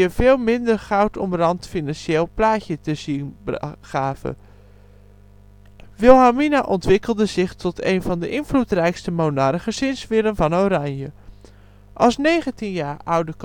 veel minder goudomrand financieel plaatje te zien gaven.) Wilhelmina ontwikkelde zich tot een van de invloedrijkste monarchen sinds Willem van Oranje. Als negentien jaar oude koningin